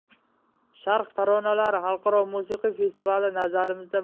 sharq taronalari xalqaro musiqiy festivali nazarimizda